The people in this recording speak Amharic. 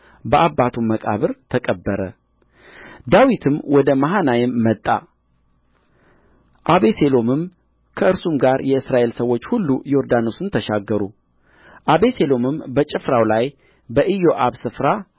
በአባቱም መቃብር ተቀበረ ዳዊትም ወደ መሃናይም መጣ አቤሴሎምም ከእርሱም ጋር የእስራኤል ሰዎች ሁሉ ዮርዳኖስን ተሻገሩ አቤሴሎምም በጭፍራው ላይ በኢዮአብ ስፍራ